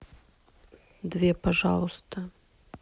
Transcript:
две пожалуйста